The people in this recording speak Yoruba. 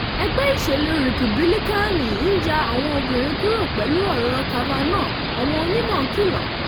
Ẹgbẹ́ Ìṣèlú Rìpúbílíkáànì ń ya àwọn obìnrin kúrò pẹ̀lú ọ̀rọ̀ Kavanaugh, Àwọn Onímọ̀ kìlọ̀